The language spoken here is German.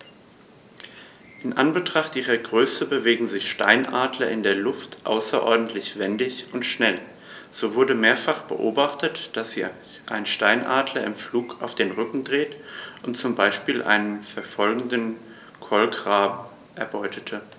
In Anbetracht ihrer Größe bewegen sich Steinadler in der Luft außerordentlich wendig und schnell, so wurde mehrfach beobachtet, wie sich ein Steinadler im Flug auf den Rücken drehte und so zum Beispiel einen verfolgenden Kolkraben erbeutete.